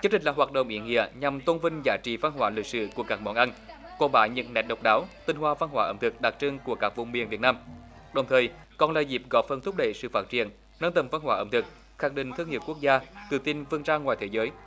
chương trình là hoạt động ý nghĩa nhằm tôn vinh giá trị văn hóa lịch sử của các món ăn quảng bá những nét độc đáo tinh hoa văn hóa ẩm thực đặc trưng của các vùng biển việt nam đồng thời còn là dịp góp phần thúc đẩy sự phát triển nâng tầm văn hóa ẩm thực khẳng định thương hiệu quốc gia tự tin vươn ra ngoài thế giới